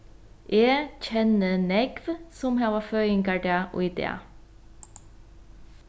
eg kenni nógv sum hava føðingardag í dag